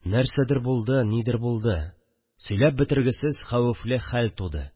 Нәрсәдер булды, нидер булды, сөйләп бетергесез хәвефле хәл туды